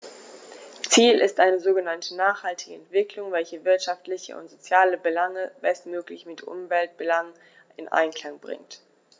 Ziel ist eine sogenannte nachhaltige Entwicklung, welche wirtschaftliche und soziale Belange bestmöglich mit Umweltbelangen in Einklang bringt.